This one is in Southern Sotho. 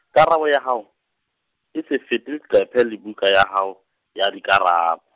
karabo ya hao, e se fete leqephe la buka ya hao, ya dikarabo.